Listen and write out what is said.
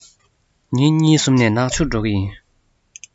ཉིན གཉིས གསུམ ནས ནག ཆུར འགྲོ གི ཡིན